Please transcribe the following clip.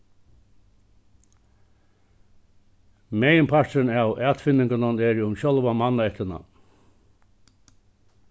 meginparturin av atfinningunum eru um sjálva mannaættina